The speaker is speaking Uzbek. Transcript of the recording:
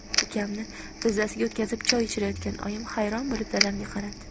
ukamni tizzasiga o'tkazib choy ichirayotgan oyim hayron bo'lib dadamga qaradi